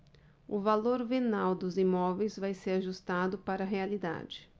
o valor venal dos imóveis vai ser ajustado para a realidade